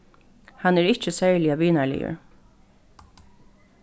hann er ikki serliga vinarligur